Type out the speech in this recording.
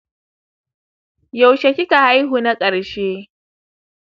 yaushe kika haihu na karshe